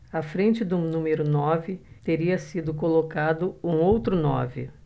à frente do número nove teria sido colocado um outro nove